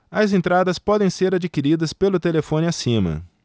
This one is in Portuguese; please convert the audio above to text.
as entradas podem ser adquiridas pelo telefone acima